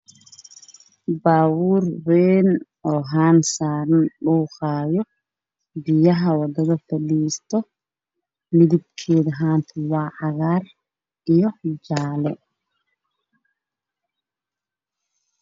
Baabuur wayn oo haan saaran